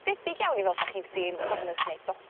Debyg iawn i fel 'sach chi'n trin cornus neu